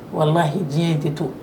Walima diɲɛ in tɛ to